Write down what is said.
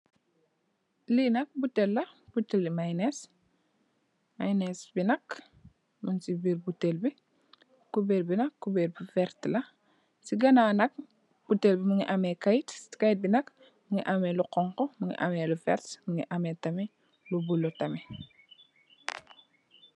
Lee nak butel la butele mainess mainess be nak mugse birr butel be kuberr be nak kuberr bu verte la se ganaw nak butel be muge ameh keyete keyete be nak muge ameh lu xonxo muge ameh lu verte muge ameh tamin lu bulo tamin.